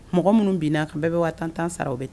Mɔgɔ minnu bna kan bɛɛ bɛ waa tan sararaw bɛɛ